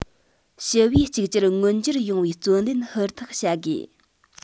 ཞི བས གཅིག གྱུར མངོན འགྱུར ཡོང བའི བརྩོན ལེན ཧུར ཐག བྱ དགོས